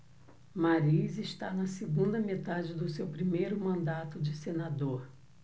mariz está na segunda metade do seu primeiro mandato de senador